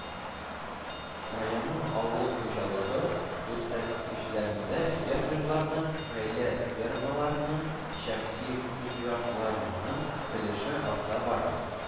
Районның авыл хуҗалыгы күрсәткечләрендә фермерларның, гаилә фермаларының, шәхси хуҗалыкларның өлеше арта бара